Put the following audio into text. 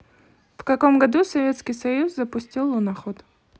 в каком году советский союз запустил луноход